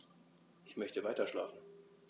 Ich möchte weiterschlafen.